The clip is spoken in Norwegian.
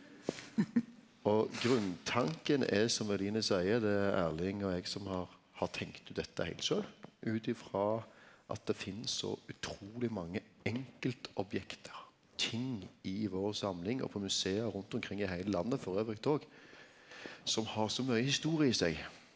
og grunntanken er som Eline seier det er Erling og eg som har har tenkt ut dette heilt sjølv ut ifrå at det finst så utroleg mange enkeltobjekt ting i vår samling og på museum rundt omkring i heile landet elles òg som har så mykje historie i seg.